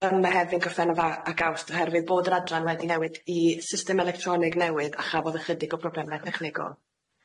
Yym Mehaefin ma' hefyd yn Gorffenaf- ag Awst oherwydd bod yr adran wedi newid i system electronig newydd a chafodd ychydig o problemau technegol.